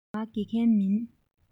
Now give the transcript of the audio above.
ང དགེ རྒན མིན